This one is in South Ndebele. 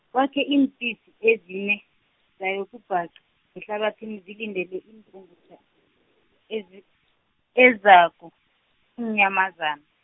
kwakhe iimpisi, ezine, zayokubhaqa, ngehlabathini zilindele ipungutjha, ezi ezako iinyamazana.